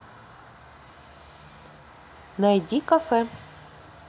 найди кафе